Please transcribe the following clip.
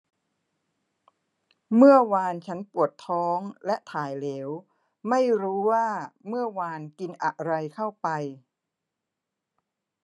เมื่อวานฉันปวดท้องและถ่ายเหลวไม่รู้ว่าเมื่อวานกินอะไรเข้าไป